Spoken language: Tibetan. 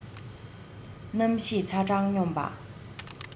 གནམ གཤིས ཚ གྲང སྙོམས པ